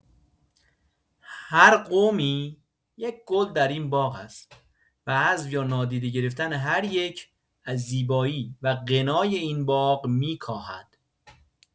هر قومی یک گل در این باغ است و حذف یا نادیده گرفتن هر یک، از زیبایی و غنای این باغ می‌کاهد.